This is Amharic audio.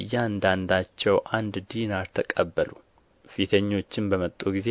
እያንዳንዳቸው አንድ ዲናር ተቀበሉ ፊተኞችም በመጡ ጊዜ